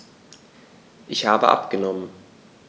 Ich habe abgenommen.